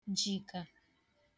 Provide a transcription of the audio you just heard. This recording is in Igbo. jị̀kà